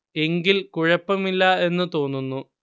എങ്കിൽ കുഴപ്പം ഇല്ല എന്നു തോന്നുന്നു